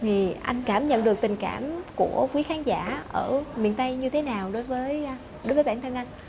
thì anh cảm nhận được tình cảm của quý khán giả ở miền tây như thế nào đối với đối với bản thân anh